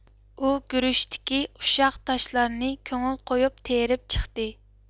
ئۇ گۈرۈچتىكى ئۇششاق تاشلارنى كۆڭۈل قويۇپ تېرىپ چىقتى